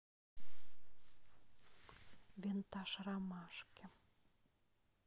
винтаж ромашки